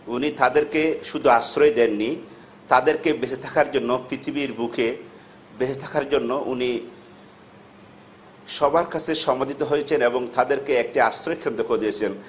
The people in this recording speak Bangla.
উনি তাদেরকে শুধু আশ্রয় দেন নি তাদরেকে বেঁচে থাকার জন্য পৃথিবীর বুকে বেঁচে থাকার জন্য উনি সবার কাছে সমাদৃত হয়েছেন এবং তাদেরকে একটি আশ্রয় কেন্দ্র করে দিয়েছেন